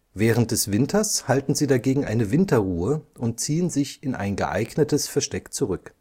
Während des Winters halten sie dagegen eine Winterruhe und ziehen sich in ein geeignetes Versteck zurück